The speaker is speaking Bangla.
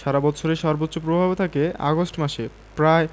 সারা বৎসরের সর্বোচ্চ প্রবাহ থাকে আগস্ট মাসে প্রায়